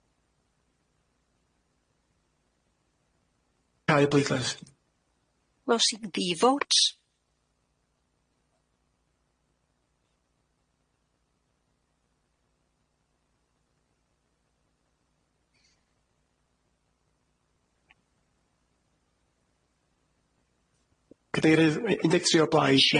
Cau y bleidlais. Closing the vote. Cadeirydd un deg tri o blaid-